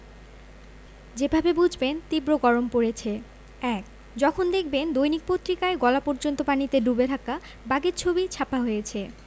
যেভাবে বুঝবেন তীব্র গরম পড়েছে ১. যখন দেখবেন দৈনিক পত্রিকায় গলা পর্যন্ত পানিতে ডুবে থাকা বাঘের ছবি ছাপা হয়েছে